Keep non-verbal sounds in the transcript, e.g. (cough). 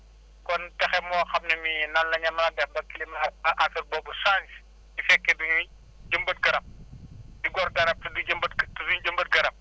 kon pexe moo xam ne mii nan la ñu mën a def ba climat affaire boobu change su fekkee du ñuy jëmbat garab (noise) di gor garab te duñ jëmbat te duñ jëmbat garab